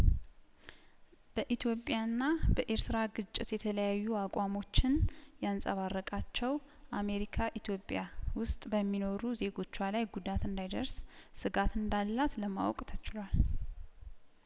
በኢትዮጵያ ና በኤርትራ ግጭት የተለያዩ አቋሞችን ያንጸባረ ቃቸው አሜሪካ ኢትዮጵያ ውስጥ በሚኖሩ ዜጐቿ ላይ ጉዳት እንዳይደርስ ስጋት እንዳላት ለማወቅ ተችሏል